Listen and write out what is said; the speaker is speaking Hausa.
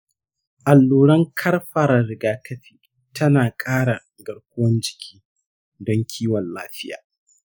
alluran karfara rigakafi tana kara garkuwan jiki don kiwon lafiya.